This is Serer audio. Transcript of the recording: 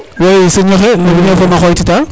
we Serigne noxe nam ne e fo ma xoytita